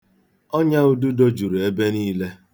Ọnyaududo juru ebe niile.